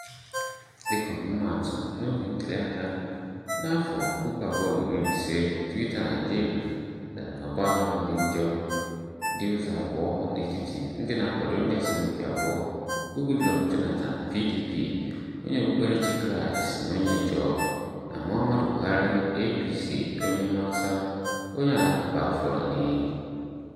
Dịka ọmụmaatụ, n'oge ntuliaka n'afọ 2015, Twitter Naịjirịa dara n'ọgbaaghara dị njọ dị ụzọ abụọ n'etiti ndị na-akwado ndị asọmpi abụọ bụ, Goodluck Jonathan (PDP, onye okpukperechi Kraịst na onye Ijaw) na Muhammadu Buhari (APC, onye Hausa, onye Alakụba Fulani).